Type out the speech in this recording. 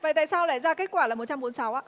vậy tại sao lại ra kết quả là một trăm bốn sáu ạ